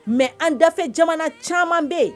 Mɛ an dafe jamana caman bɛ yen